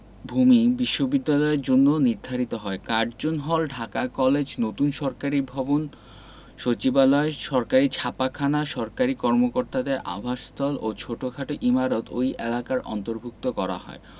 ভূমি বিশ্ববিদ্যালয়ের জন্য নির্ধারিত হয় কার্জন হল ঢাকা কলেজ নতুন সরকারি ভবন সচিবালয় সরকারি ছাপাখানা সরকারি কর্মকর্তাদের আবাসস্থল ও ছোটখাট ইমারত ওই এলাকার অন্তর্ভুক্ত করা হয়